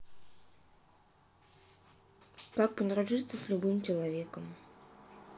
как подружиться с любым человеком